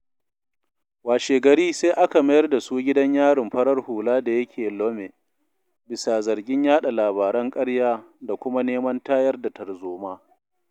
Washe-gari, sai aka mayar da su gidan Yarin farar hula da yake Lomé bisa zargin yaɗa labaran ƙarya da kuma neman tayar da tarzoma.